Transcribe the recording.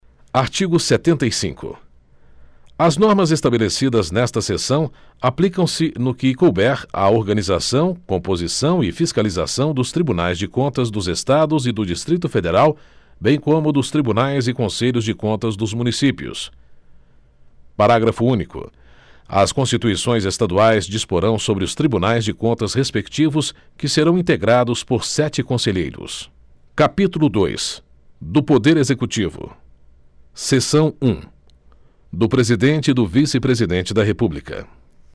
artigo setenta e cinco as normas estabelecidas nesta seção aplicam se no que couber à organização composição e fiscalização dos tribunais de contas dos estados e do distrito federal bem como dos tribunais e conselhos de contas dos municípios parágrafo único as constituições estaduais disporão sobre os tribunais de contas respectivos que serão integrados por sete conselheiros capítulo dois do poder executivo seção um do presidente e do vice presidente da república